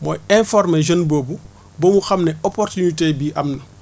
mooy informer jeune boobu ba mu xam ne opportunité bii am na